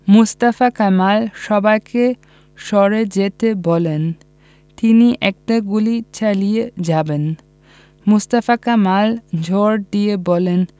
মোস্তফা কামাল সবাইকে সরে যেতে বললেন তিনি একা গুলি চালিয়ে যাবেন মোস্তফা কামাল জোর দিয়ে বললেন